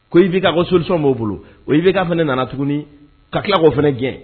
Ko IBK ko solution b'o bolo, o IBK fana nana tuguni ka tila k’o fana gɛn